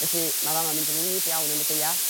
felly ma' fa' 'ma mynd yn wlyb iawn yn y Gaea